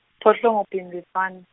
siphohlongo Bhimbidvwane.